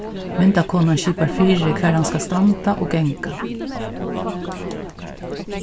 myndakonan skipar fyri hvar hann skal standa og ganga